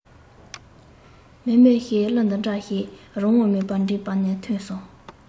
མཱེ མཱེ ཞེས གླུ འདི འདྲ ཞིག རང དབང མེད པར མགྲིན པ ནས ཐོན སོང